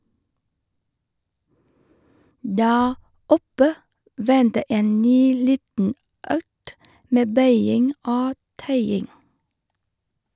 Der oppe venter en ny liten økt med bøying og tøying.